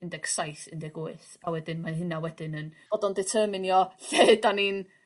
un deg saith un deg wyth a wedyn mae hynna wedyn yn bod o'n determinio lle lle 'dan ni'n